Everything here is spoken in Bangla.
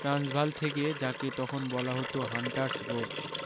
ট্রান্সভাল থেকে যাকে তখন বলা হত হান্টারস রোড